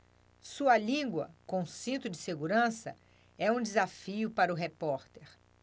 sua língua com cinto de segurança é um desafio para o repórter